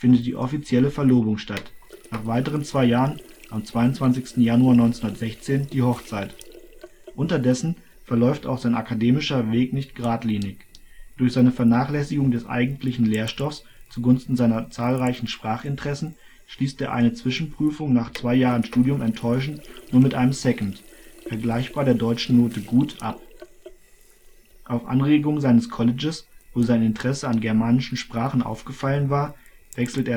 die offizielle Verlobung statt, nach weiteren zwei Jahren, am 22. Januar 1916, die Hochzeit. Unterdessen verläuft auch sein akademischer Weg nicht geradlinig. Durch seine Vernachlässigung des eigentlichen Lehrstoffs zugunsten seiner zahlreichen Sprachinteressen schließt er eine Zwischenprüfung nach zwei Jahren Studium enttäuschend nur mit einem » Second « (vergleichbar der deutschen Note » Gut «) ab. Auf Anregung seines Colleges, wo sein Interesse an germanischen Sprachen aufgefallen war, wechselt